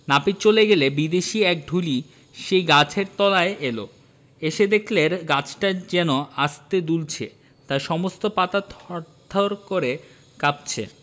নাপিত চলে গেলে বিদেশী এক ঢুলি সেই গাছের তলায় এল এসে দেখলে গাছটা যেন আস্তে দুলছে তার সমস্ত পাতা থরথর করে কাঁপছে